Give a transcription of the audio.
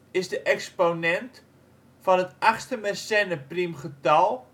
is de exponent van het achtste Mersenne priemgetal